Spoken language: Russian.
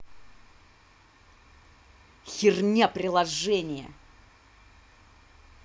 херняне приложение